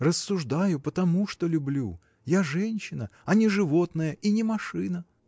Рассуждаю, потому что люблю, я женщина, а не животное и не машина!